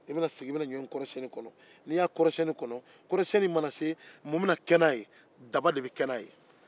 e bɛna sigi e bɛna ɲɔ in kɔrɔsiyɛni kɔnɔ n'i y'a kɔrɔsiyɛni kɔnɔ mun bɛna kɛ n'a ye daba de bɛ kɛ n'a ye